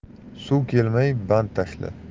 suv kelmay band tashla